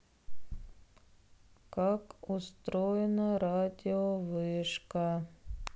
как устроена радиовышка